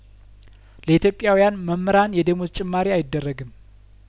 ለኢትዮጵያውያን መምህራን የደሞዝ ጭማሪ አይደረግም